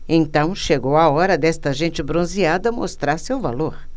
então chegou a hora desta gente bronzeada mostrar seu valor